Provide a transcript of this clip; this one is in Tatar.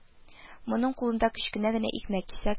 Моның кулында кечкенә генә икмәк кисәге